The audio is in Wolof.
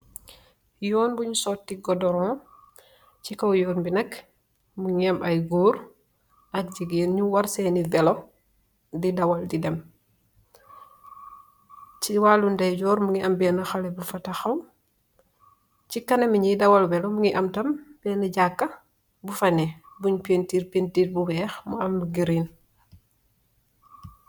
Yoon buñ sotti godoron ci kow yoon bi neg mu nem ay góor ak jigéer ñu war seeni welo di dawal di dem ci wàllu nde yoor mu ngi am benn xale bu fa taxaw ci kana mi ñiy dawal welo mu ngi am tam benn jàkka bu fa ne buñ pintiir pintir bu weex mu am giriin